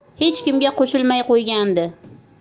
hech kimga qo'shilmay qo'ygandi